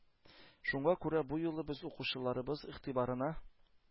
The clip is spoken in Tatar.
Шуңа күрә бу юлы без укучыларыбыз игътибарына